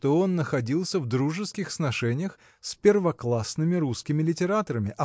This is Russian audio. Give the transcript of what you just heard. что он находился в дружеских сношениях с первоклассными русскими литераторами